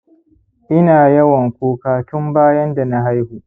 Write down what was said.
ina yawan kuka tun bayan dana haihu